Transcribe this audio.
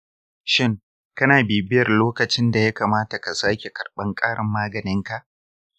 shin kana bibiyar lokacin da ya kamata ka sake karɓar ƙarin maganinka?